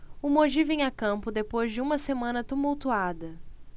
o mogi vem a campo depois de uma semana tumultuada